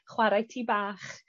chwarae tŷ bach